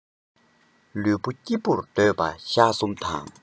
ལུས པོ སྐྱིད པོར སྡོད པ ཞག གསུམ དང